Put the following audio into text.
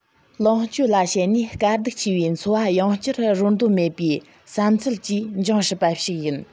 ལོངས སྤྱོད ལ ཞེན ནས དཀའ སྡུག ཆེ བའི འཚོ བ ཡང བསྐྱར རོལ འདོད མེད པའི བསམ ཚུལ བཅས འབྱུང སྲིད པ ཞིག ཡིན